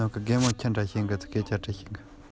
མགོ བོ གཡུག གཡུག བྱེད